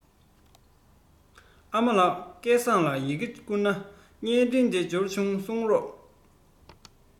ཨ མ ལགས སྐལ བཟང ལ ཡི གེ བསྐུར ན བརྙན འཕྲིན དེ འབྱོར འདུག གསུངས རོགས